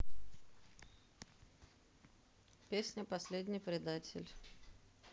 песня последний предатель